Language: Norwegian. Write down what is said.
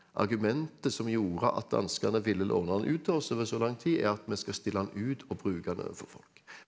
argumentet som gjorde at danskene ville låne han ut til oss over så lang tid er at vi skal stille den ut og bruke den overfor folk.